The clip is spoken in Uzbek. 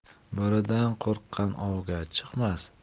bo'ridan qo'rqqan ovga chiqmas